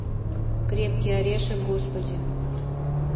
крепкий орешек господи